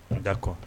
D'accord